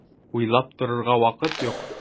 Уйлап торырга вакыт юк!